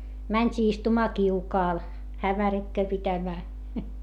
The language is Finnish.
mentiin istumaan kiukaalle hämärikköä pitämään